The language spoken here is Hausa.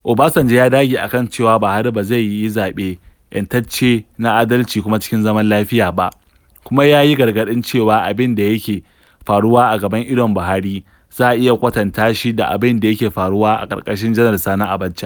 Obasanjo ya dage a kan cewa Buhari ba zai yi zaɓe "'yantacce na adalci kuma cikin zaman lafiya" ba, kuma ya yi gargaɗin cewa abin da yake "faruwa a gaban idon Buhari, za a iya kwatanta shi da abin da yake faruwa a ƙarƙashin Janar Sani Abacha.